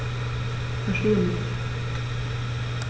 Verstehe nicht.